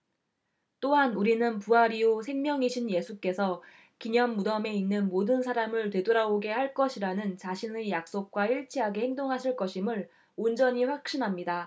또한 우리는 부활이요 생명이신 예수께서 기념 무덤에 있는 모든 사람을 되돌아오게 할 것이라는 자신의 약속과 일치하게 행동하실 것임을 온전히 확신합니다